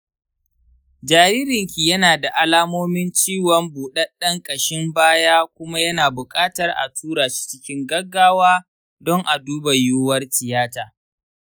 jaririnki yana da alamomin ciwon buɗaɗɗen kashin baya kuma yana buƙatar a tura shi cikin gaggawa don a duba yiwuwar tiyata.